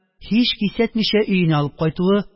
Һич кисәтмичә өенә алып кайтуы